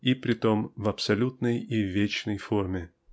и притом в абсолютной и вечной форме.